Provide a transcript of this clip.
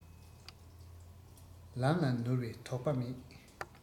ལམ ལ ནོར བའི དོགས པ མེད